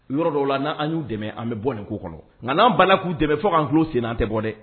O yɔrɔ dɔw la n an y'u dɛmɛ an bɛ bɔ nin kɔnɔ nka'an bana k'u dɛmɛ fɔ ka an tulo senan tɛ bɔ dɛ